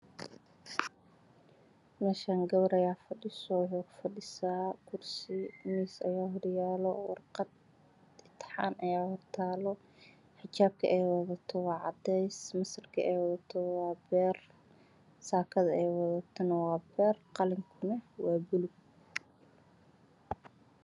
Meeshaan gabar ayaa fadhiso oo kursi kufadhiso miis ayaa horyaala warqad cad ayaa saaran, xijaab waa cadeys, masarka waa beer, saakadu waa beer, qalinku waa buluug.